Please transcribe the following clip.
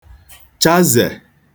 chazè